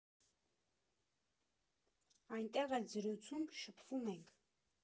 Այնտեղ էլ զրուցում, շփվում ենք։